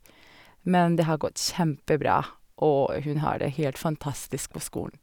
Men det har gått kjempebra, og hun har det helt fantastisk på skolen.